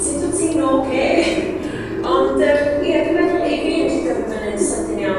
sut wti'n ocê? ond yym ia dwi'n meddwl i fi 'nes i dyfu fyny'n sydyn iawn